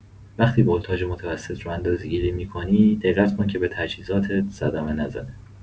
وقتی ولتاژ متوسط رو اندازه‌گیری می‌کنی، دقت کن که به تجهیزاتت صدمه نزنه.